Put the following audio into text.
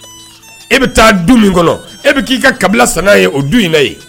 E bɛ taa du min kɔnɔ e bɛ k i ka kabila san ye o du in ye